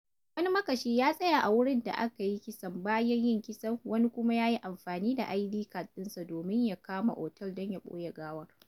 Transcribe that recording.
Wani makashi ya tsaya a wurin da aka yi kisan bayan yin kisan; wani kuma ya yi amfani da ID card ɗinsa domin ya kamata otal don ya ɓoye gawar.